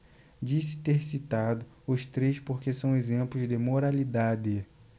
disse ter citado os três porque são exemplos de moralidade